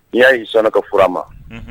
Ni y'a y'i sɔnna ka fura ma